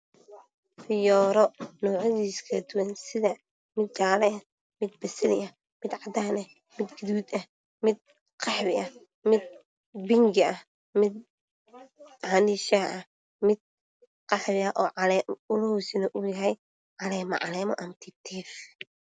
Fiyoore nocyadisa kala duwan sida mid jaale ah mid basali ah mid cadaan ah mid gaduud eh mid qaxwi ah mid bing ah mid cani shax ah mid qaxwi ah o calemo u yahay ah